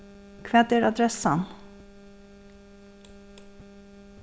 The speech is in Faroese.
hvat er adressan